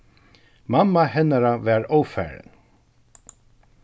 mamma hennara var ovfarin